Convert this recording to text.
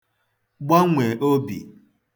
gbanwè obì